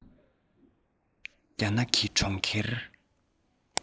རྒྱ ནག གི གྲོང ཁྱེར